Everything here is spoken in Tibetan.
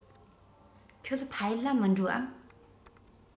ཁྱོད ཕ ཡུལ ལ མི འགྲོ འམ